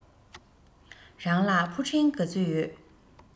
རང ལ ཕུ འདྲེན ག ཚོད ཡོད